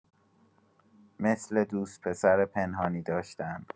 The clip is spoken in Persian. مثل دوست‌پسر پنهانی داشتن